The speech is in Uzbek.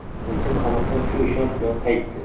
elchin qamoqdan shu ishonch bilan qaytdi